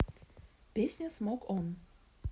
песня smoke on